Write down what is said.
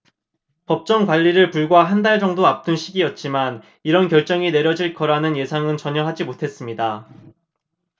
법정관리를 불과 한 달 정도 앞둔 시기였지만 이런 결정이 내려질 거라는 예상은 전혀 하지 못했습니다